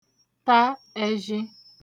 ta ẹzhi